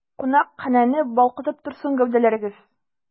Кунакханәне балкытып торсын гәүдәләрегез!